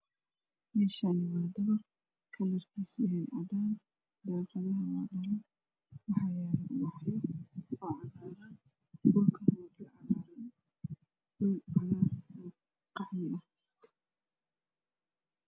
Meeshaan waa dabaq kalarkiisu uu yahay cadaan, daaqadaha waa dhalo. Waxaa yaalo ubaxyo cagaaran dhulkana waa cagaaran oo roog cagaar iyo qaxwi ah uu yaalo.